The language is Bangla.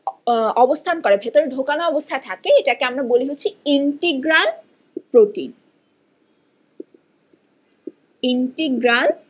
অবস্থান করে ভেতরে ঢোকানো অবস্থায় থাকে সেটাকে আমরা বলি হচ্ছে ইন্টিগ্রাল প্রোটিন ইন্টিগ্রাল